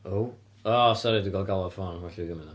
Ow! O sori dwi'n cael galwad ffôn, well i fi gymyd o.